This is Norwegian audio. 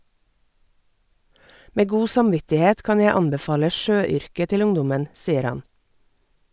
- Med god samvittighet kan jeg anbefale sjøyrket til ungdommen, sier han..